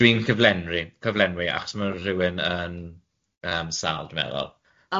Dwi'n cyflenri- cyflenwi achos ma' rywun yn yym sâl dwi'n meddwl.